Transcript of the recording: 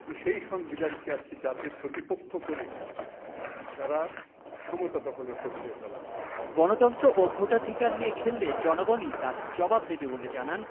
কিন্তু সেই সংবিধানকে আজকে জাতির প্রতিপক্ষ করে তারা ক্ষমতা দখলের প্রক্রিয়া চালাচ্ছে গণতন্ত্র ও ভোটাধিকার নিয়ে খেললে জনগণই তার জবাব দেবে বলে জানান